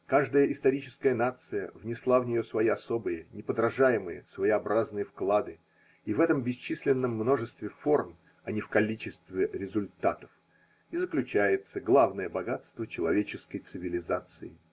Каждая историческая нация внесла в нее свои особые, неподражаемо-своеобразные вклады, и в этом бесчисленном множестве форм, а не в количестве результатов и заключается главное богатство человеческой цивилизации.